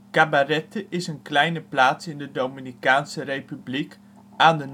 Cabarete is een kleine plaats in de Dominicaanse Republiek, aan de noordkust